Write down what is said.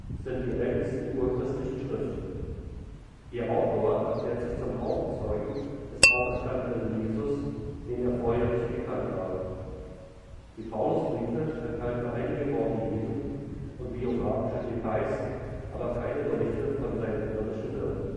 sind die ältesten urchristlichen Schriften. Ihr Autor erklärt sich zum Augenzeugen des auferstandenen Jesus, den er vorher nicht gekannt habe. Die Paulusbriefe enthalten einige Worte Jesu und biografische Details, aber keine Berichte von seinem irdischen Wirken